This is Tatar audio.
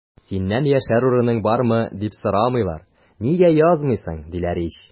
Синнән яшәр урының бармы, дип сорамыйлар, нигә язмыйсың, диләр ич!